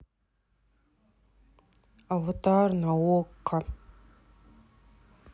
аватар на окко